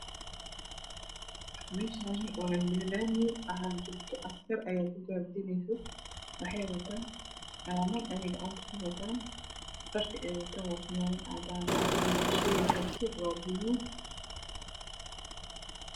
Meeshaan waa laami waxaa joogto askar ayaa kugaardineyso waxay wataan calaamad ayay gacanta ku wataan dharkana waa fanaanad cadaan ah iyo shay hoos waa buluug.